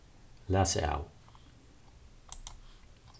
læs av